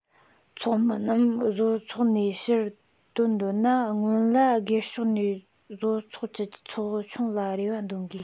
ཚོགས མི རྣམས བཟོ ཚོགས ནས ཕྱིར དོན འདོད ན སྔོན ལ སྒེར ཕྱོགས ནས བཟོ ཚོགས ཀྱི ཚོ ཆུང ལ རེ བ འདོན དགོས